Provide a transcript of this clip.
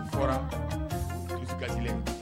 Kɔrɔ i ka tilen